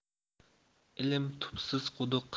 ilm tubsiz quduq